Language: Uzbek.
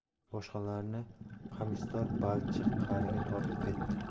boshqalarini qamishzor balchiq qariga tortib ketdi